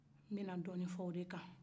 nbɛ na dɔni fɔ o de kan